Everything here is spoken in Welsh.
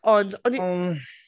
Ond o'n i-... Mm...